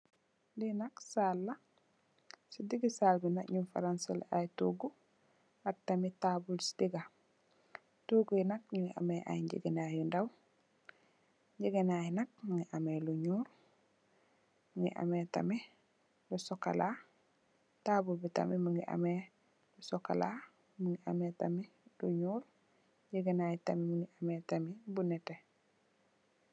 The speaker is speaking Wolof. Li nak saal la si digi saal bi nyun fa ransale ay togu ak tamit tabul si diga togui nak mogi ameh ay ngegenay yu nadw ngegenay nak mogi aneh lu nuul mogi ameh tamit lu chocola tabul bi tamit mogi ame chocola mogi ameh tamit lu nuul ngegenayi tamit mogi ameh tamit lu nete.